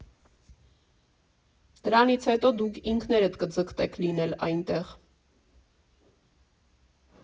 Դրանից հետո դուք ինքներդ կձգտեք լինել այնտեղ։